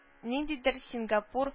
Ниндидер сингапур а